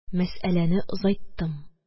Мәсьәләне озайттым.